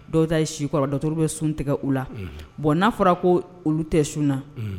Dɔw ta su kɔrɔ dɔorouru bɛ sun tigɛ u la bon n'a fɔra ko olu tɛ sun na